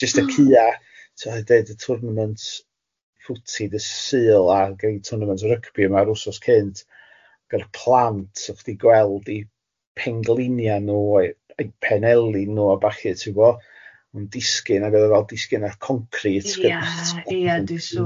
...jyst y cua tibod oedd deud y tournament footy dydd Sul a gei tournament rygbi yma yr wythnos cynt ag yr plant oedd chdi gweld eu pengliniau nhw eu eu penelin nhw a ballu ti'n gwybo, o'n disgyn ac oedd o fel disgyn ar concrit... Ia ia dwi'n siwr.